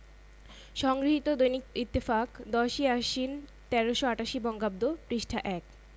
L B M B H I Kolkata ৭৩৭ দক্ষিন Shahjahanpur Amtala phone ৪০০৮৭১